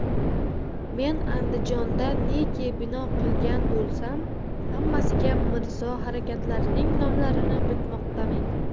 men andijonda neki bino qilgan bo'lsam hammasiga mirzo hazratlarining nomlarini bitmoqdamen